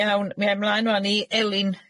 Iawn mi ai mlaen ŵan i Elin.